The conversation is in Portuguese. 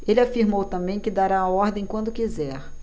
ele afirmou também que dará a ordem quando quiser